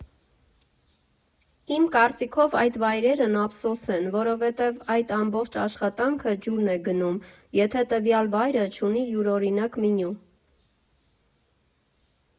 Իմ կարծիքով այդ վայրերն ափսոս են, որովհետև այդ ամբողջ աշխատանքը ջուրն է գնում, եթե տվյալ վայրը չունի յուրօրինակ մենյու։